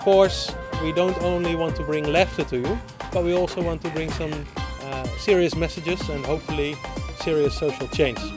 course we don't only want to bring laughter we also want to bring some serious messages hopefully serious social change